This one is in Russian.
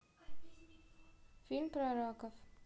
фильм про раков